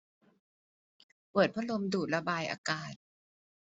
เปิดพัดลมดูดระบายอากาศ